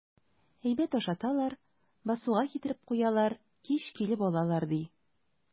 Әйбәт ашаталар, басуга китереп куялар, кич килеп алалар, ди.